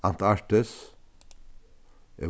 antarktis